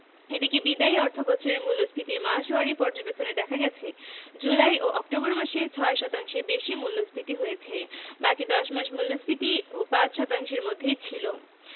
এদিকে বিদায়ী অর্থবছরের মূল্যস্ফীতির মাসওয়ারি পর্যবেক্ষণে দেখা গেছে জুলাই ও অক্টোবর মাসে ৬ শতাংশের বেশি মূল্যস্ফীতি হয়েছে বাকি ১০ মাস মূল্যস্ফীতি ৫ শতাংশের মধ্যেই ছিল